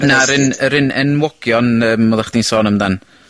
Na yr un yr un enwogion yym odda chdi'n sôn amdan?